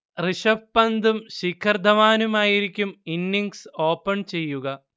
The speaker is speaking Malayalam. ഋഷഭ് പന്തും ശിഖർ ധവാനുമായിരിക്കും ഇന്നിങ്സ് ഓപ്പൺ ചെയ്യുക